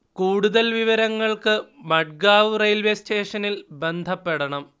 കൂടുതൽ വിവരങ്ങൾക്ക് മഡ്ഗാവ് റെയിൽവേ സ്റ്റേഷനിൽ ബന്ധപ്പെടണം